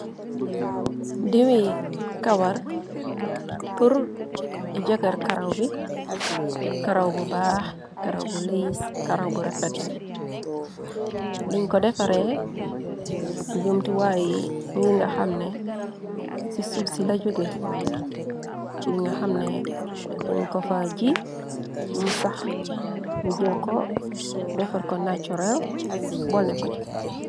Diwi kawar pur jagar karaw bi pur karaw bu baax karaw bu liis karaw bu refet luñ ko defaree jomti waaye ngi nga xamne ci su si la joge li nga xamne duñ ko fa ji mu sax ñu jël ko defar ko naccurel bole ko ci.